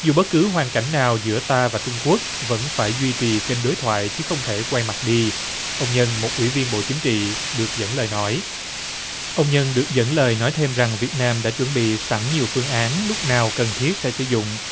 dù bất cứ hoàn cảnh nào giữa ta và trung quốc vẫn phải duy trì cân đối thoại chứ không thể quay mặt đi ông nhân một ủy viên bộ chính trị được dẫn lời nói ông nhân được dẫn lời nói thêm rằng việt nam đã chuẩn bị sẵn nhiều phương án lúc nào cần thiết sẽ sử dụng